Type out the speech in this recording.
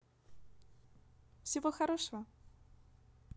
всего хорошего